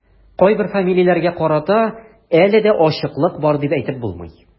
Кайбер фамилияләргә карата әле дә ачыклык бар дип әйтеп булмый.